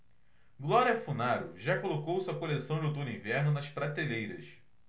glória funaro já colocou sua coleção de outono-inverno nas prateleiras